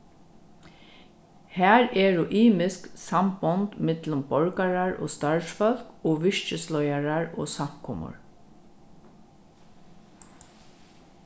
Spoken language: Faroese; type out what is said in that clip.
har eru ymisk sambond millum borgarar og starvsfólk og virkisleiðarar og samkomur